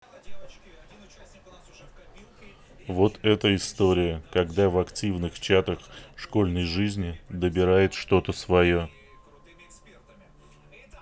вот это история когда в активных чатах школьной жизни добирает что то свое